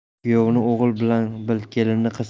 kuyovni o'g'il bil kelinni qiz